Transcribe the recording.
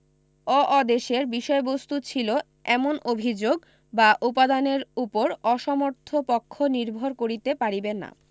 অঅদেশের বিষয়বস্তু ছিল এমন অভিযোগ বা উপাদানের উপর অসমর্থ পক্ষ নির্ভর করিতে পারিবে না